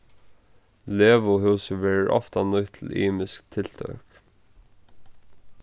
leguhúsið verður ofta nýtt til ymisk tiltøk